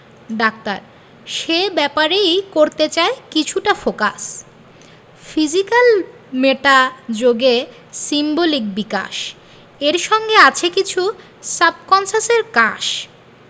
doctor সে ব্যাপারেই করতে চাই কিছুটা ফোকাস ফিজিক্যাল মেটা যোগে সিম্বলিক বিকাশ এর সঙ্গে আছে কিছু সাবকন্সাসের কাশ